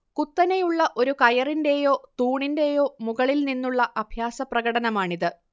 കുത്തനെയുള്ള ഒരു കയറിൻറെയോ തൂണിൻറെയോ മുകളിൽ നിന്നുള്ള അഭ്യാസപ്രകടനമാണിത്